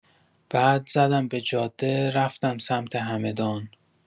بعد زدم به جاده رفتم سمت همدان.